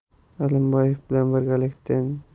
alimbayev bilan birgalikda